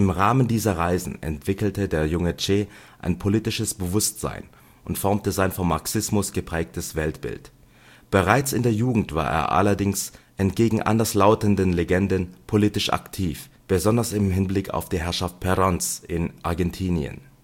Rahmen dieser Reisen entwickelte der junge Che ein politisches Bewusstsein und formte sein vom Marxismus geprägtes Weltbild. Bereits in seiner Jugend war er allerdings - entgegen anderslautenden Legenden - politisch aktiv, besonders im Hinblick auf die Herrschaft Peróns in Argentinien